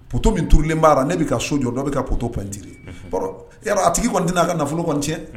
Pto minurulen b' la ne bɛ ka so jɔ dɔ bɛ ka ptoptigi a tigi kɔni n'a ka nafolo kɔni cɛn